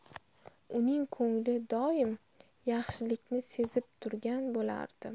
uning ko'ngli doim yaxshilikni sezib turgan bo'lardi